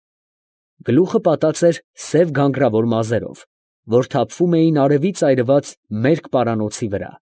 Գլուխը պատած էր սև գանգրավոր մազերով, որ թափվում էին արևից այրված մերկ պարանոցի վրա։